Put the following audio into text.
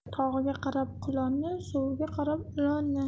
tog'iga qarab quloni suviga qarab iloni